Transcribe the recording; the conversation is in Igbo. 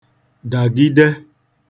dàgide